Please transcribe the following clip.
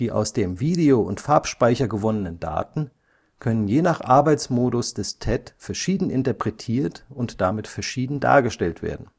aus dem Video - und Farbspeicher gewonnenen Daten können je nach Arbeitsmodus des TED verschieden interpretiert und damit verschieden dargestellt werden